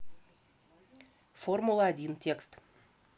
формула один текст